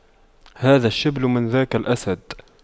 هذا الشبل من ذاك الأسد